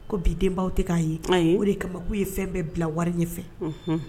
Ko bi denbaw tɛ k'a ye o de kaba ko ye fɛn bɛɛ bila wari ye fɛ